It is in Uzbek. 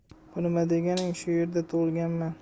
bu nima deganing shu yerda tug'ilganman